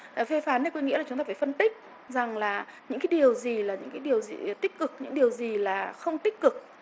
à phê phán có nghĩa là chúng ta phải phân tích rằng là những cái điều gì là những cái điều gì tích cực những điều gì là không tích cực